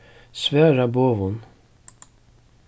svara boðum